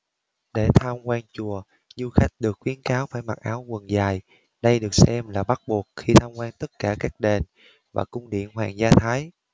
để tham quan chùa du khách được khuyến cáo phải mặc áo quần dài đây được xem là bắt buộc khi tham quan tất cả đền và cung điện hoàng gia thái